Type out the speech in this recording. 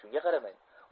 shunga qaramay